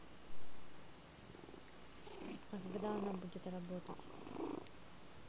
а когда она будет работать